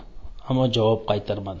ammo javob qaytarmadi